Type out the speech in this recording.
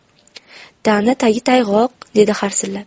tana tagi tayg'oq dedi harsillab